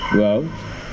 waaw